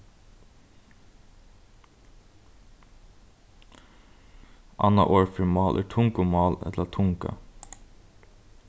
annað orð fyri mál er tungumál ella tunga